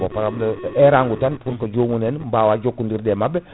bo pa* eraago tan pour que jomumen bawa jokkodirde e mabɓe